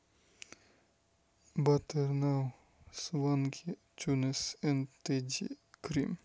better now swanky tunes and teddy cream